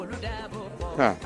H